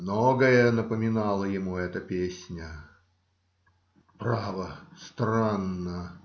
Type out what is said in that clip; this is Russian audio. Многое напоминала ему эта песня. - Право, странно.